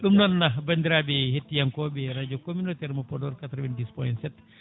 ɗum noon bandiraɓe hettiyankoɓe radio communautaire mo Podor 90 PONIT 7